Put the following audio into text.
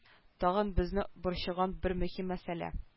Тагын безне борчыган бер мөһим мәсьәлә